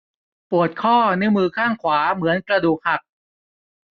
ปวดข้อนิ้วมือข้างขวาเหมือนกระดูกหัก